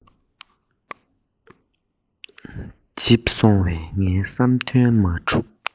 འཇིབས སོང བས ངའི བསམ དོན མ གྲུབ